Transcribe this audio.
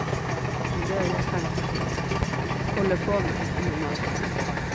Det er det hun har tenkt hun skal holde på med i noen år fremover.